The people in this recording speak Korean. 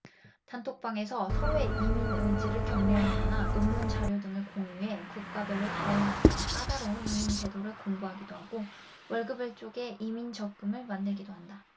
단톡방에서 서로의 이민 의지를 격려하거나 논문 자료 등을 공유해 국가별로 다양하고 까다로운 이민 제도를 공부하기도 하고 월급을 쪼개 이민 적금을 만들기도 한다